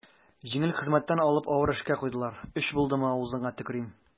Җиңел хезмәттән алып авыр эшкә куйдылар, өч булдымы, авызыңа төкерим.